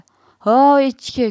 hov echki